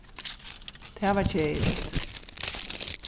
tað var keðiligt